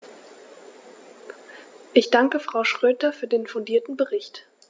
Ich danke Frau Schroedter für den fundierten Bericht.